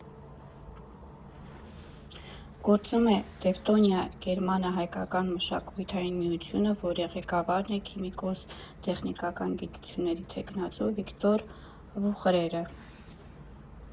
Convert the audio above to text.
Գործում է «Տևտոնիա» գերմանա֊հայկական մշակութային միությունը, որի ղեկավարն է քիմիկոս, տեխնիկական գիտությունների թեկնածու Վիկտոր Վուխրերը։